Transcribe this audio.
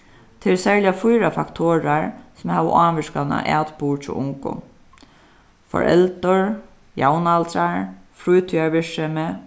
tað eru serliga fýra faktorar sum hava ávirkan á atburð hjá ungum foreldur javnaldrar frítíðarvirksemi